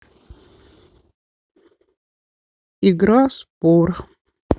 игра спор